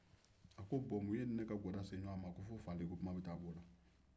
a ko bɔ mun ye e ni ne ka gwada se ɲɔgɔn man ko fo faali ko kuma bɛ taa bɔ o la